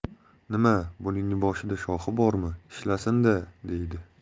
nima buningni boshida shoxi bormi ishlasin da deydi